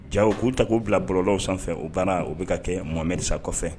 Ja u k'u ta k'u bila bɔlɔlaw sanfɛ o banna u bɛ ka kɛ momerisa kɔfɛ